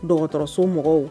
Dɔgɔ dɔgɔtɔrɔrasomɔgɔw